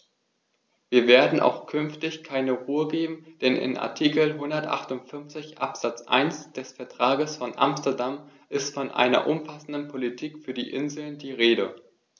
Wir werden auch künftig keine Ruhe geben, denn in Artikel 158 Absatz 1 des Vertrages von Amsterdam ist von einer umfassenden Politik für die Inseln die Rede.